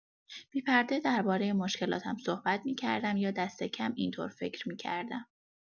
بی‌پرده درباره مشکلاتم صحبت می‌کردم یا دست‌کم این‌طور فکر می‌کردم.